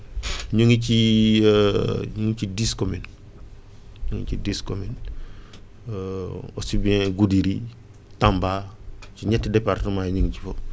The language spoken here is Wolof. ñu ngi ci ñu ngi ci dix communes ñu ngi ci dix communes aussi bien Goudiri Tamba si ñetti départements yi ñu ngi ci foofu